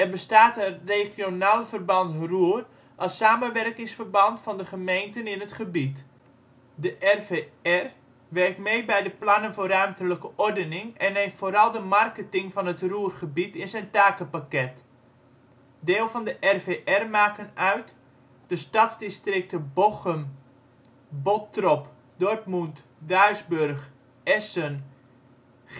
bestaat een Regionalverband Ruhr als samenwerkingsverband van de gemeenten in het gebied. De RVR werkt mee bij de plannen voor ruimtelijke oordening en heeft vooral het marketing van het Ruhrgebied in zijn takenpakket. Deel van de RVR maken uit: de stadsdistricten Bochum, Bottrop, Dortmund, Duisburg, Essen, Gelsenkirchen